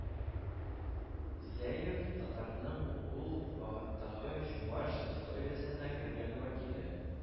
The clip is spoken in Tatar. Зяев татарның ул вакыттагы чуаш сословиесенә кергән вәкиле